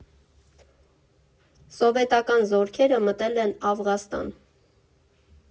Սովետական զորքերը մտել են Աֆղանստան։